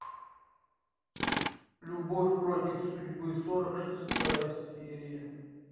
любовь против судьбы сорок шестая серия